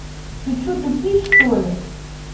ты че тупишь что ли